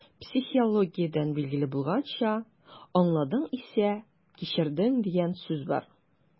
Психологиядән билгеле булганча, «аңладың исә - кичердең» дигән сүз бар.